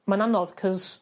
Ma'n anodd 'c'os